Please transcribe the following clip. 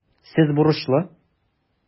Сез бурычлы.